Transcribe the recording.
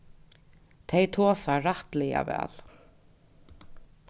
tey tosa rættiliga væl